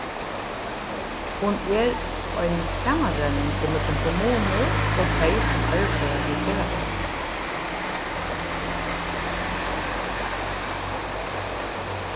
hon er ein samanrenning ímillum kommunur og tey sum arbeiða við ferðavinnu